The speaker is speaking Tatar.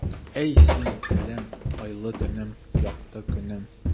Әй, син, телем, айлы төнем, якты көнем.